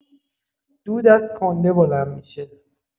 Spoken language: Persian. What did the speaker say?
دود از کنده بلند می‌شه